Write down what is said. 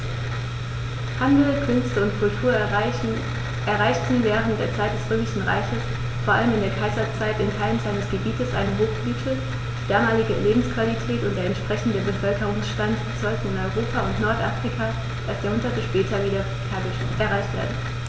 Handel, Künste und Kultur erreichten während der Zeit des Römischen Reiches, vor allem in der Kaiserzeit, in Teilen seines Gebietes eine Hochblüte, die damalige Lebensqualität und der entsprechende Bevölkerungsstand sollten in Europa und Nordafrika erst Jahrhunderte später wieder erreicht werden.